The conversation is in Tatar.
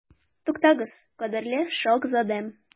Туктагыз, кадерле шаһзадәм.